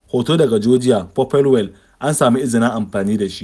Hoto daga Georgia Popplewell, an samu izinin amfani da shi.